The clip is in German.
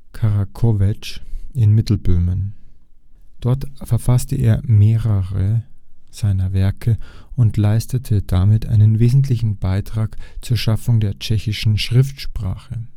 Krakovec in Mittelböhmen. Dort verfasste er mehrere seiner Werke und leistete damit einen wesentlichen Beitrag zur Schaffung der tschechischen Schriftsprache